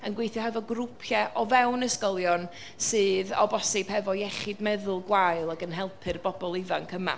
Yn gweithio hefo grŵpiau o fewn ysgolion sydd o bosib hefo iechyd meddwl gwael ac yn helpu'r bobl ifanc yma.